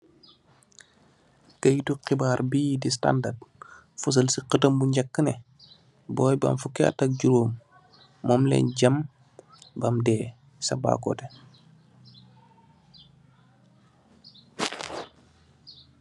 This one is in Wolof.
Kayiti xibarr yi di Standard di fasal ci xatam bu njak neh boy bu am fokki at ak jurom mum lel jam bam dè sa Bakoteh.